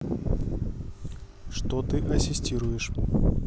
что ты ассистируешь